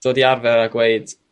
dod i arfer â gweud